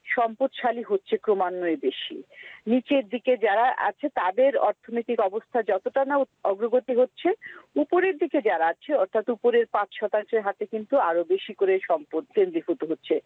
সম্পদশালী হচ্ছে ক্রমান্বয়ে বেশি নিচের দিকে যারা আছে তাদের অর্থনৈতিক অবস্থার যতোটা না অগ্রগতি হচ্ছে ওপরের দিকে যারা আছে অর্থাৎ উপরের ৫% হাতে কিন্তু আরও বেশি করে সম্পদ কেন্দ্রীভূত হচ্ছে